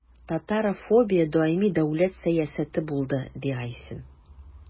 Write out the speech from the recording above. Татарофобия даими дәүләт сәясәте булды, – ди Айсин.